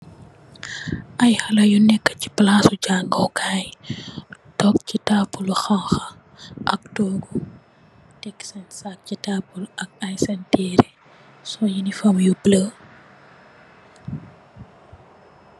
Aiiy haleh yu nekue chi plassu jangoh kaii, tok chi taabuli khanha ak tohgu, tek sehn sac chi taabul ak aiiy sehn tehreh, sol uniform yu bleu.